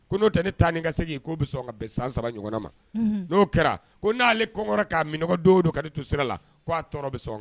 Ko n'o tɛ ne tan ni ka segin k'o bɛ sɔn ka bɛn san 3 ɲɔgɔn ma n'o kɛra ko n'ale kɔnkɔla k'a minnɔgɔ don o don ka ne to sera la k'a tɔnɔnɔ bɛ sɔn